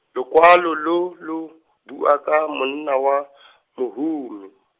lokwalo lo lo, bua ka monna wa , mohumi.